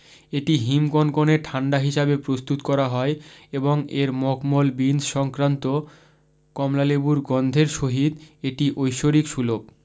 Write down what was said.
এটি হিমকনকনে ঠান্ডা হিসাবে প্রস্তুত করা হয় এবং এর মখমল বিনস সংক্রান্ত কমলালেবুর গন্ধের সহিত এটি ঐশ্বরিকসুলভ